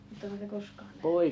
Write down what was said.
oletteko te koskaan nähnyt